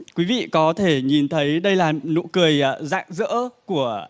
quý vị có thể nhìn thấy đây là nụ cười rạng rỡ của